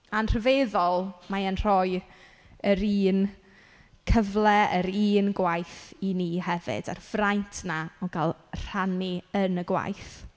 A'n rhyfeddol, mae e'n rhoi yr un cyfle yr un gwaith i ni hefyd. A'r fraint 'na o gael rhannu yn y gwaith.